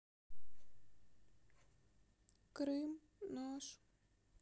крым наш